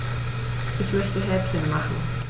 Ich möchte Häppchen machen.